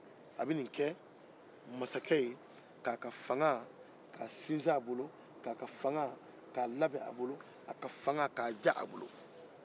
a bɛ nin kɛ masakɛ ye k'a ka fanga ka sinsin a bolo k'a ka fanga ka labɛn a bolo k'a ka fanga ka diya a bolo